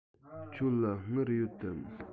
ཁྱོད ལ དངུལ ཡོད དམ